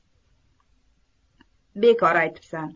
bekor aytibsan